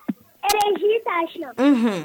Eji'a sh